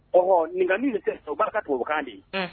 Ɔ nin min tɛ barika tokan di